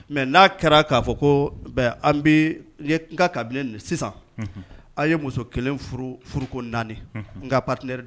Mɛ n'a kɛra k'a fɔ ko mɛ an bɛ kabila nin sisan an ye muso kelen furuko naani n ka patiɛ dɛ